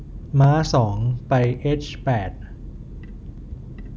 ม้าสองไปเอชแปด